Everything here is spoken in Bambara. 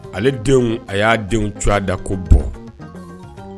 Ale denw a y'a denw cogoya da ko bɔn